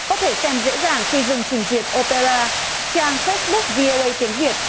có thể xem dễ dàng khi dùng trình duyệt ô pê ra trang phếch búc vi ô ây tiếng việt